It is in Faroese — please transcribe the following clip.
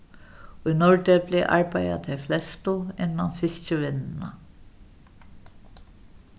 í norðdepli arbeiða tey flestu innan fiskivinnuna